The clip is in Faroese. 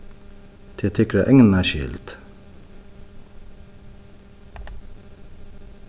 tað er tykra egna skyld